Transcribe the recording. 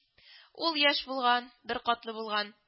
Ул яшь булган, беркатлы булган